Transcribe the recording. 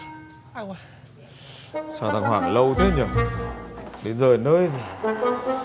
thằng hoàng này lâu thế nhờ đến giờ đến nơi rồi